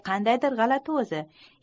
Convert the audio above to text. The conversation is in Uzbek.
qandaydir g'alati o'zi